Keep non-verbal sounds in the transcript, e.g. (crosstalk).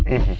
(hesitation) (hesitation)